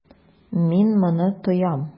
Мин моны тоям.